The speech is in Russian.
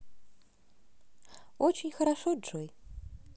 очень хорошо джой